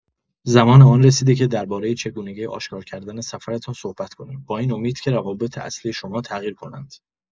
زمان آن رسیده که درباره چگونگی آشکارکردن سفرتان صحبت کنیم، با این امید که روابط اصلی شما تغییر کنند.